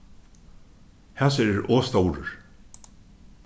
hasir eru ov stórir